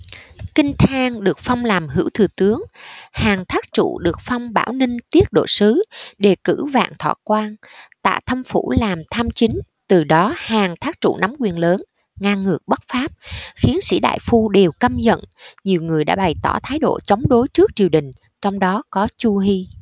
kinh thang được phong làm hữu thừa tướng hàn thác trụ được phong bảo ninh tiết độ sứ đề cử vạn thọ quan tạ thâm phủ làm tham chính từ đó hàn thác trụ nắm quyền lớn ngang ngược bất pháp khiến sĩ đại phu đều căm giận nhiều người đã bày tỏ thái độ chống đối trước triều đình trong đó có chu hi